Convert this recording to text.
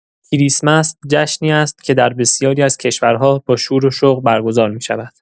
کریسمس جشنی است که در بسیاری از کشورها با شور و شوق برگزار می‌شود.